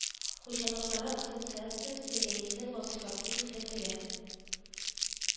Хуҗалыклары ассоциациясе рәисе вазыйфасы йөкләтелә